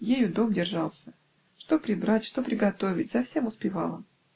Ею дом держался: что прибрать, что приготовить, за всем успевала.